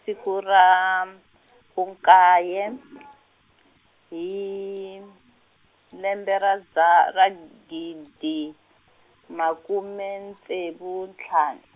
siku ra, vukaye , hi, lembe ra dza- ra gidi, makume ntsevu ntlhanu.